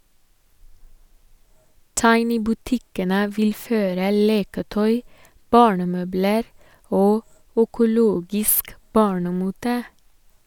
Tiny-butikkene vil føre leketøy, barnemøbler og økologisk barnemote.